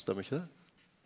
stemmer ikkje det?